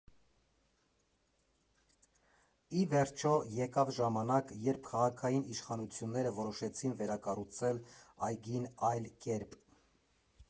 Ի վերջո, եկավ ժամանակ, երբ քաղաքային իշխանությունները որոշեցին վերակառուցել այգին այլ կերպ։